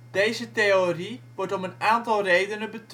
Deze theorie wordt om een aantal redenen